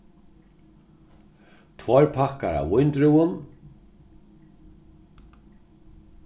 tveir pakkar av víndrúvum